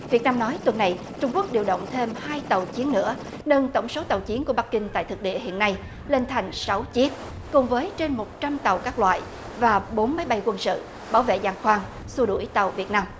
việt nam nói tuần này trung quốc điều động thêm hai tàu chiến nữa nâng tổng số tàu chiến của bắc kinh tại thực địa hiện nay lên thành sáu chiếc cùng với trên một trăm tàu các loại và bốn máy bay quân sự bảo vệ giàn khoan xua đuổi tàu việt nam